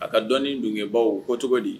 A ka dɔni dunbaw o ko cogo di